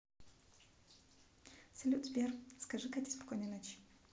салют сбер скажи кате спокойной ночи